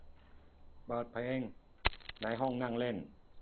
เปิดเพลงในห้องนั่งเล่น